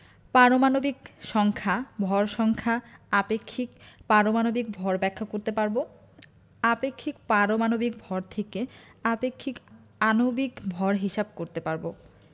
পারমাণবিক সংখ্যা ভর সংখ্যা আপেক্ষিক পারমাণবিক ভর ব্যাখ্যা করতে পারব আপেক্ষিক পারমাণবিক ভর থেকে আপেক্ষিক আণবিক ভর হিসাব করতে পারব